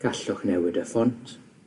gallwch newid y ffont,